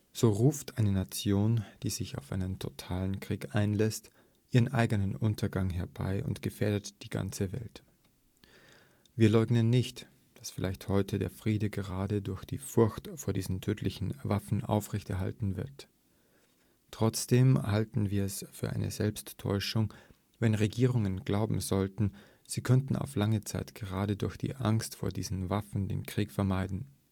So ruft eine Nation, die sich auf einen totalen Krieg einlässt, ihren eigenen Untergang herbei und gefährdet die ganze Welt. Wir leugnen nicht, dass vielleicht heute der Friede gerade durch die Furcht vor diesen tödlichen Waffen aufrechterhalten wird. Trotzdem halten wir es für eine Selbsttäuschung, wenn Regierungen glauben sollten, sie könnten auf lange Zeit gerade durch die Angst vor diesen Waffen den Krieg vermeiden